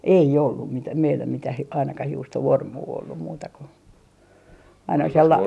ei ollut mitään meillä mitään - ainakaan juustovormua ollut muuta kuin aina -